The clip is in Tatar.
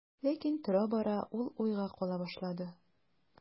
Ләкин тора-бара ул уйга кала башлады.